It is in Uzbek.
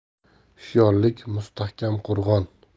hushyorlik mustahkam qo'rg'on